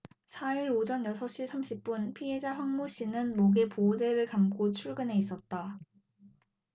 사 일 오전 여섯 시 삼십 분 피해자 황모씨는 목에 보호대를 감고 출근해 있었다